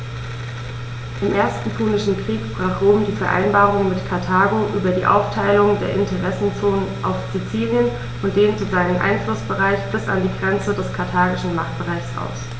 Im Ersten Punischen Krieg brach Rom die Vereinbarung mit Karthago über die Aufteilung der Interessenzonen auf Sizilien und dehnte seinen Einflussbereich bis an die Grenze des karthagischen Machtbereichs aus.